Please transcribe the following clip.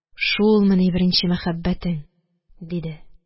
– шулмыни беренче мәхәббәтең? – диде...